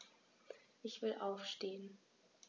Ich will aufstehen.